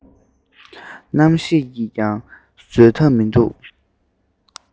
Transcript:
རྣམ ཤེས ཀྱིས ཀྱང བཟོད ཐབས མི འདུག